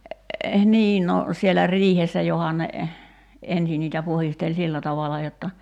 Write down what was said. niin no siellä riihessä johon ne ensin niitä puhdisteli sillä tavalla jotta